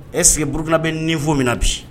E sigi buruina bɛ ni fɔ min na bi